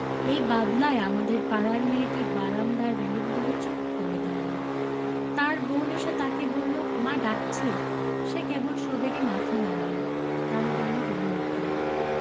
এই বাদলায় আমাদের পাড়ার মেয়েটি বারান্দার রেলিঙ ধরে চুপ করে দাঁড়িয়ে তার বোন এসে তাকে বলল মা ডাকছে সে কেবল সবেগে মাথা নাড়ল তার বেণী দুলে উঠল